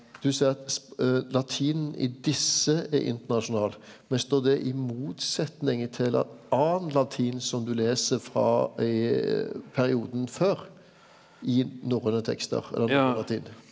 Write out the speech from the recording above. du seier at latinen i desse er internasjonal men står det i motsetning til annan latin som du les frå i perioden før i norrøne tekstar eller på latin?